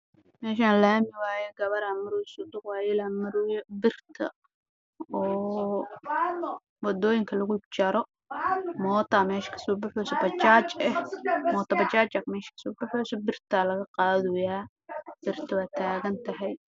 Waa laami waxaa maraayo bajaaj guduud iyo nin naag taagan